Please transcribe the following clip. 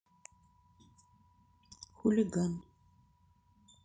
хулиган